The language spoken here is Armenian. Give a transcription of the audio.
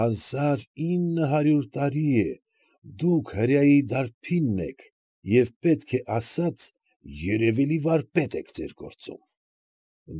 Հազար ինը հարյուր տարի է դուք հրեայի դարբինն եք, և պետք է ասած, երևելի վարպետ եք ձեր գործում։